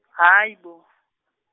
hhayi bo .